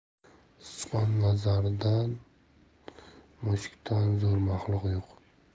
sichqon nazarida mushukdan zo'r maxluq yo'q